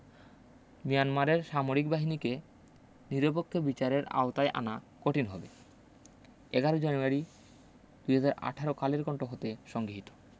মিয়ানমারের সামরিক বাহিনীকে নিরপেক্ষ বিচারের আওতায় আনা কটিন হবে ১১ জানুয়ারি ২০১৮ কালের কন্ঠ হতে সংগিহীত